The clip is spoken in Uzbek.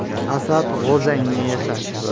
asad g'o'zangni yasat